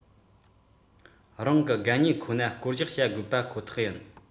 རང གི དགའ ཉེ ཁོ ན བསྐོ གཞག བྱ དགོས པ ཁོ ཐག ཡིན